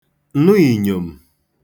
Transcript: nụ ìnyòm̀